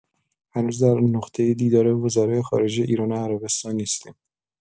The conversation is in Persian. هنوز در نقطه دیدار وزرای خارجه ایران و عربستان نیستیم.